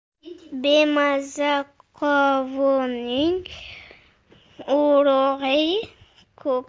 bemaza qovunning urug'i ko'p